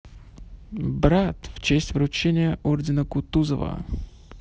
брат в честь вручения ордена кутузова